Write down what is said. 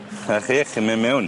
'Na chi, chi'n myn' mewn.